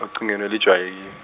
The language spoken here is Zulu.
ocingweni olujwaye-.